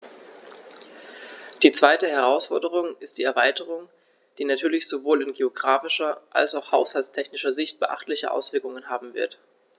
Die zweite Herausforderung ist die Erweiterung, die natürlich sowohl in geographischer als auch haushaltstechnischer Sicht beachtliche Auswirkungen haben wird.